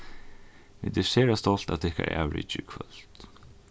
vit eru sera stolt av tykkara avriki í kvøld